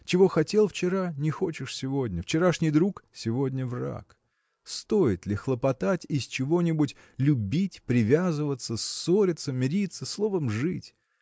чего хотел вчера, не хочешь сегодня вчерашний друг – сегодня враг. Стоит ли хлопотать из чего-нибудь любить привязываться ссориться мириться – словом жить?